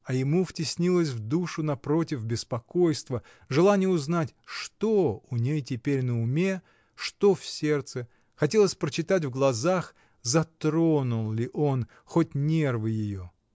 А ему втеснилось в душу, напротив, беспокойство, желание узнать, что у ней теперь на уме, что в сердце, хотелось прочитать в глазах, затронул ли он хоть нервы ее